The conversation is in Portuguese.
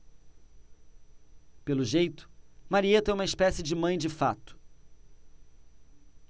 pelo jeito marieta é uma espécie de mãe de fato